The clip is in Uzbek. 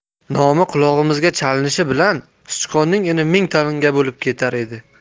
nomi qulog'imizga chalinishi bilan sichqonning ini ming tanga bo'lib ketar edi